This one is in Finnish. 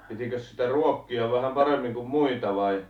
pitikös sitä ruokkia vähän paremmin kuin muita vai